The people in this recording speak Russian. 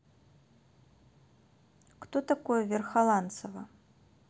кто такое верхоланцева